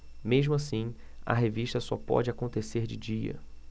mesmo assim a revista só pode acontecer de dia